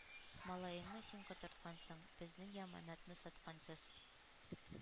”малаеңны син котырткансың. безнең яманатны саткансыз.